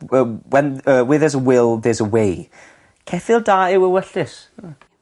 Whe- when yy where there's a will there's a way. Ceffyl da yw ewyllys. O.